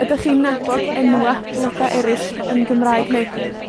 Ydych chi'n nabod enwa' bloda eryll yn Gymraeg neu